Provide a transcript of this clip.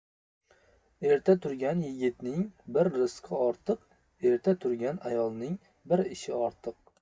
erta turgan yigitning bir rizqi ortiq erta turgan ayolning bir ishi ortiq